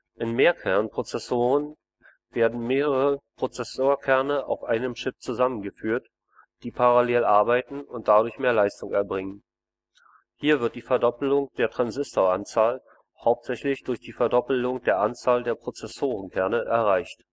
In Mehrkernprozessoren werden mehrere Prozessorkerne auf einem Chip zusammengeführt, die parallel arbeiten und dadurch mehr Leistung erbringen. Hier wird die Verdoppelung der Transistoranzahl hauptsächlich durch die Verdoppelung der Anzahl der Prozessorkerne erreicht